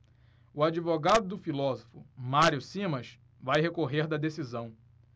o advogado do filósofo mário simas vai recorrer da decisão